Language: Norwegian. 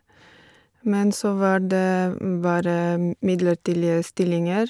Men så var det bare m midlertidige stillinger.